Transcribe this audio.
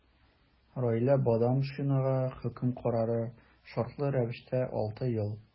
Раилә Бадамшинага хөкем карары – шартлы рәвештә 6 ел.